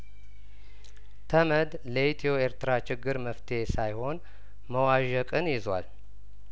ተመድ ለኢትዮ ኤርትራ ችግር መፍትሄ ሳይሆን መዋዠቅን ይዟል